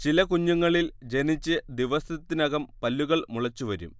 ചില കുഞ്ഞുങ്ങളിൽ ജനിച്ച് ദിവസത്തിനകം പല്ലുകൾ മുളച്ചുവരും